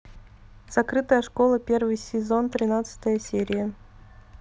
закрытая школа первый сезон тринадцатая серия